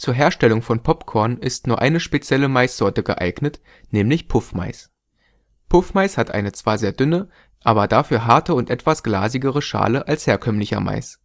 Herstellung von Popcorn ist nur eine spezielle Maissorte geeignet, nämlich Puffmais. Puffmais hat eine zwar sehr dünne, aber dafür harte und etwas glasigere Schale als herkömmlicher Mais